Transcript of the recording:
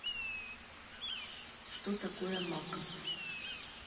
что такое макс